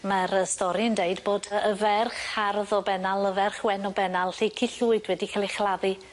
ma'r yy stori'n deud bod yy y ferch hardd o Bennal y ferch wen o Bennal Lleuch Llwyd wedi ca'l ei chladdu